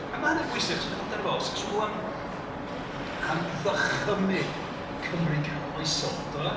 A mae hynna'n bwysig achos meddwl amdana fo os 'sa chi isio meddwl am am ddychymyg Cymru canoloesol, ti'go?